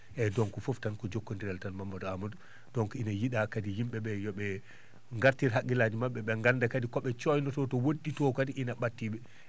eeyi donc fof tan ko jokkonndiral tan Mamadou Amadou donc ine yiɗaa kadi yimɓe ɓe yo ɓe ngartir haqillaaji maɓɓe ɓe ngannda kadi ko ɓe coynotoo to woɗɗii to kadi ine ɓattii ɓe